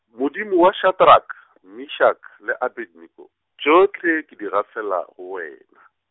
Modimo wa Shadrack, Meshack le Abednego, tšohle ke di gafela go wena.